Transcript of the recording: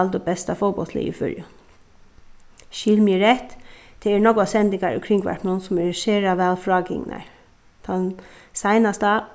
valdu besta fótbóltslið í føroyum skil meg rætt tað eru nógvar sendingar í kringvarpinum sum eru sera væl frágingnar tann seinasta